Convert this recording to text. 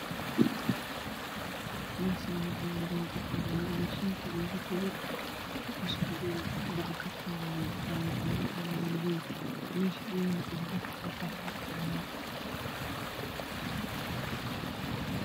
Meeshaani waa hool waxaa yaalo makiinada waxa lagu dubo kalarkeedu waa cadaan meesha